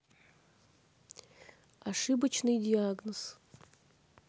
ошибочный диагноз